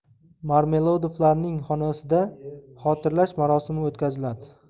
marmeladovlarning xonasida xotirlash marosimi o'tkaziladi